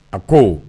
A ko